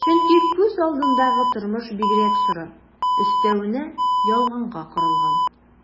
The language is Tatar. Чөнки күз алдындагы тормыш бигрәк соры, өстәвенә ялганга корылган...